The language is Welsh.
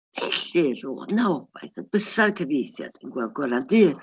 Felly roedd 'na obaith y bysa'r cyfieithiad yn gweld golau dydd.